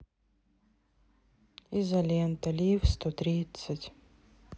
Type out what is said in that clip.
изолента лиф сто тридцать